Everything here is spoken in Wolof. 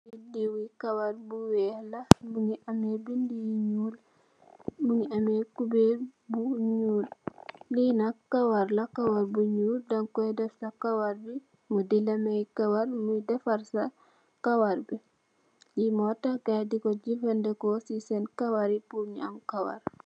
diw i kaw diwi kawar bu ñuul la, mu ngi amee bindë yu ñuul, lii nak kawar la, dañ Koy def, sa kawar bi, di la may kawar,..lii mootax, gaayi